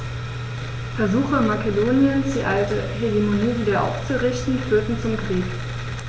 Versuche Makedoniens, die alte Hegemonie wieder aufzurichten, führten zum Krieg.